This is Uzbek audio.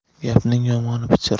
gapning yomoni pichir